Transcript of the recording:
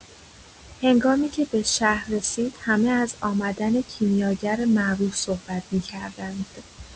هنگامی‌که به شهر رسید، همه از آمدن کیمیاگر معروف صحبت می‌کردند.